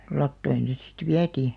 latoihin se sitten vietiin